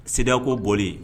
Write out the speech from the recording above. Sirako bolioli